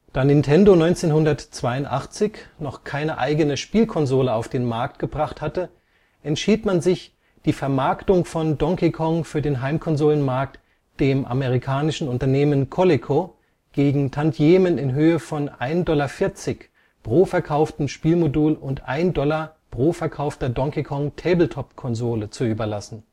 Da Nintendo 1982 noch keine eigene Spielkonsole auf den Markt gebracht hatte, entschied man sich, die Vermarktung von Donkey Kong für den Heimkonsolenmarkt dem amerikanischen Unternehmen Coleco gegen Tantiemen in Höhe von 1,40 Dollar pro verkauftem Spielmodul und 1 Dollar pro verkaufter Donkey Kong-Tabletop-Konsole zu überlassen